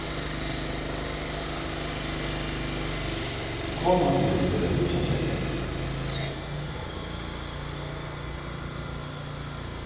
konan vildi vera húsaseljari